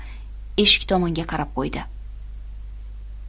eshik tomonga qarab qo'ydi